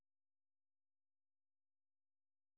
караоке клипов